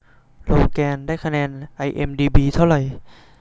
โลแกนได้คะแนนไอเอ็มดีบีเท่าไหร่